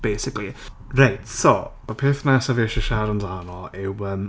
Basically Reit so y peth nesaf fi eisiau siarad amdano yw yym..